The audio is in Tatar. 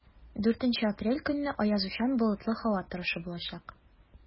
4 апрель көнне аязучан болытлы һава торышы булачак.